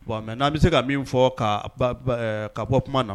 Bon, mais nan bi se ka min fɔ ɛɛ ka bɔ kuma na.